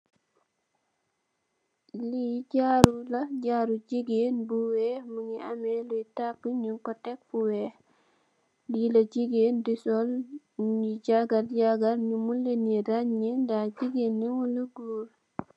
Li njaru la njaru njegen bu wheh mugi ameh lui tarka nyung ko tekk fu wheh li la njegen di sol nyui jagarr jagarr nyu mun len ranyeh dall njegen wala gorr.